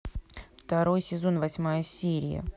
второй сезон восьмая серия